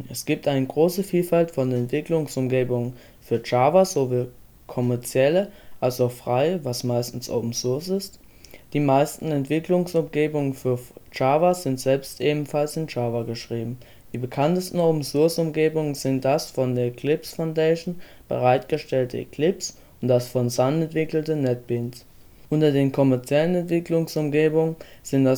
Es gibt eine große Vielfalt von Entwicklungsumgebungen für Java, sowohl kommerzielle als auch freie (Open Source). Die meisten Entwicklungsumgebungen für Java sind selbst ebenfalls in Java geschrieben. Die bekanntesten Open-Source-Umgebungen sind das von der Eclipse Foundation bereitgestellte Eclipse und das von Sun entwickelte NetBeans. Unter den kommerziellen Entwicklungsumgebungen sind